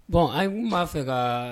Bɔn a b'a fɛ ka